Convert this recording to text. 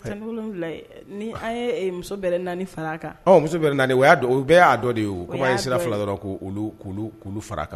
Ka ca ni 7 ye, ni an ye muso bɛrɛ naani far'a kan, muso bɛrɛ naani o y'a dɔ o bɛɛ y'a dɔ de ye o, komi a yesira fila dɔrɔn ko olu k'olu k'olu fara a kan